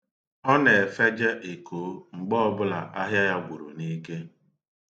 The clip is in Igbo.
Ọ na-efeje Ekoo mgbe ọbụla ahịa ya gwụrụ n'ike.